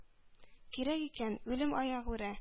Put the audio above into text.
Кирәк икән, үләм аягүрә,